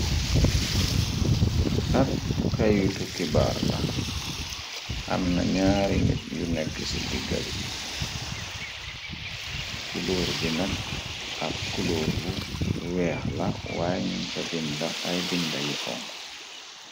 Ab kayutukkibaar la amna ñaari nit yu nekk ci digga bi kulóor bi nag ab kulóor bu weex la waay nu fa binda ay binda yu xonxo.